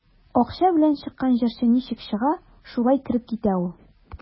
Акча белән чыккан җырчы ничек чыга, шулай кереп китә ул.